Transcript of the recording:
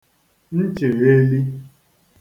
nchegheli